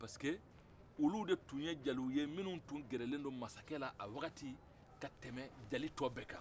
parce que olu de tun ye jeliw ye minnu tun gɛrɛlen don masakɛ la a waati ka tɛmɛ jeli to bɛɛ kan